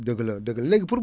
dëkk la dëgg léegi pour